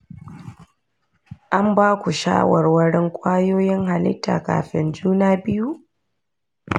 an ba ku shawarwarin kwayoyin halitta kafin juna biyu?